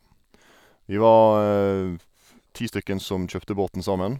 Vi var ti stykker som kjøpte båten sammen.